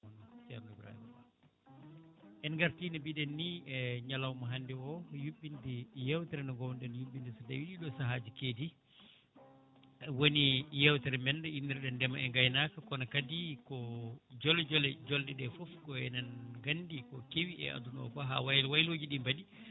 ceeno Ibrahima en garti no mbiɗenni e ñalawma hande e yuɓɓinde yewtere nde gownoɗen yuɓɓinde so tawino ɗiɗo saahaji keedi woni yewyere men nde innirɗen ndeema e gaynaka kono kadi ko jolejole jolɗe ɗe foof ko enen gandi ko kewi e aduna o ha waylo wayloji ɗi mbaɗi